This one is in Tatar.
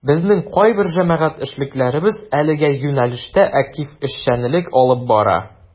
Безнең кайбер җәмәгать эшлеклеләребез әлеге юнәлештә актив эшчәнлек алып бара.